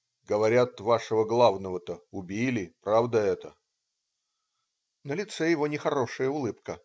говорят, вашего главного-то убили, правда это?" На лице его нехорошая улыбка.